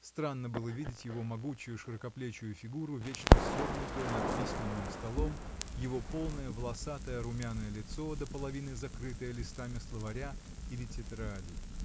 Странно было видеть его могучую, широкоплечую фигуру, вечно согнутую над письменным столом, его полное, волосатое, румяное лицо, до половины закрытое листами словаря или тетради.